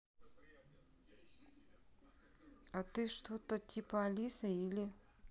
а ты что то типа алиса или